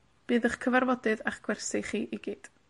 bydd 'ych cyfarfodydd a'ch gwersi chi i gyd.